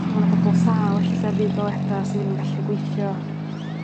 T'mo' ma' 'na bobol sâl ella sy ar fudd daliada sy ddim yn gallu gweithio.